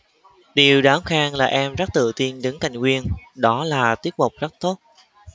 điều đáng khen là em rất tự tin đứng cạnh quyên đó là tiết mục rất tốt